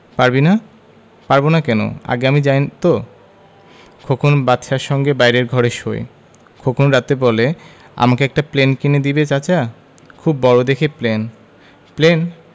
পারবি না পারব না কেন আগে আমি যাই তো খোকন বাদশার সঙ্গে বাইরের ঘরে শোয় খোকন রাতে বলে আমাকে একটা প্লেন কিনে দিবে চাচা খুব বড় দেখে প্লেন প্লেন